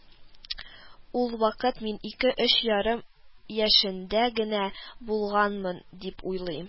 Ул вакыт мин ике-өч ярым яшендә генә булганмын дип уйлыйм